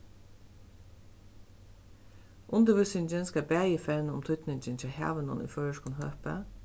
undirvísingin skal bæði fevna um týdningin hjá havinum í føroyskum høpi